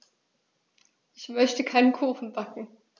Ich möchte einen Kuchen backen.